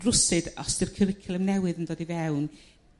rwsud os ydy'r cwricwlwm newydd yn ddod i fewn